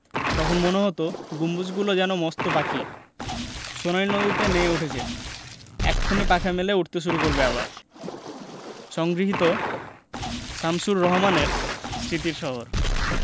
তখন মনে হতো গম্বুজগুলো যেন মস্ত পাখি সোনালি নদীতে নেয়ে উঠেছে এক্ষুনি পাখা মেলে উড়তে শুরু করবে আবার সংগৃহীত শামসুর রাহমানের স্মৃতির শহর